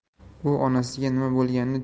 u onasiga nima bo'lganini